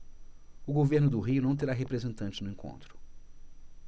o governo do rio não terá representante no encontro